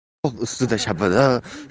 bog' ustida shabada